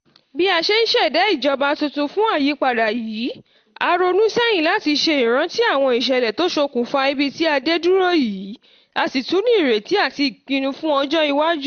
Bí a ṣe n ṣẹ̀da ìjọba túntun fún àyípadà yìí, a ronú sẹ́yìn láti ṣe ìránti àwọn ìṣẹ̀lẹ̀ tó sokùnfà ibi tí a dé dúró yìí, a sì tún ní ìrètí àti ìpinnú fún ọjọ́ iwájú.